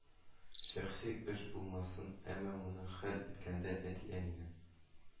Шәхси эш булмасын, әмма моны хәл иткәндә әти-әнинең